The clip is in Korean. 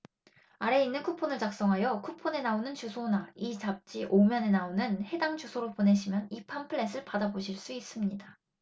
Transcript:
아래에 있는 쿠폰을 작성하여 쿠폰에 나오는 주소나 이 잡지 오 면에 나오는 해당 주소로 보내시면 이 팜플렛을 받아 보실 수 있습니다